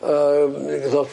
Yym ddoth